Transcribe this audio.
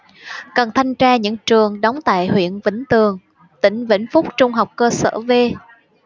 cần thanh tra những trường đóng tại huyện vĩnh tường tỉnh vĩnh phúc trung học cơ sở v